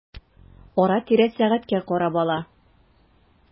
Ара-тирә сәгатькә карап ала.